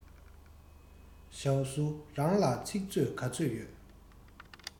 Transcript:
ཞའོ སུའུ རང ལ ཚིག མཛོད ག ཚོད ཡོད